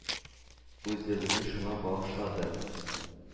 Үзебезне шуңа багышладык.